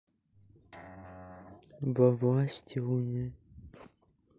во власти луны